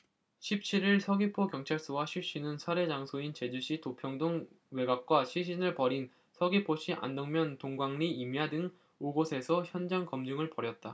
십 칠 일 서귀포경찰서와 쉬씨는 살해 장소인 제주시 도평동 외곽과 시신을 버린 서귀포시 안덕면 동광리 임야 등 오 곳에서 현장검증을 벌였다